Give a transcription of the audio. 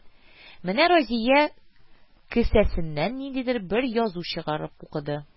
Менә Разия кесәсеннән ниндидер бер язу чыгарып укыды